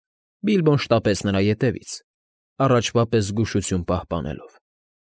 Բիլբոն շատպեց նրա ետևից, առաջվա պես զգուշություն պահպանելով։